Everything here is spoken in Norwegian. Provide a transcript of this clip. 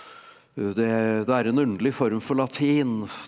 det det er en underlig form for latin.